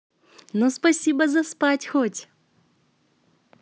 ну спасибо за спать хоть